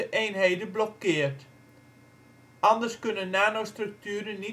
eenheden blokkeert. Anders kunnen nanostructuren